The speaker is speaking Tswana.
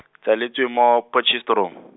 tsaletswe mo, Potchefstroom.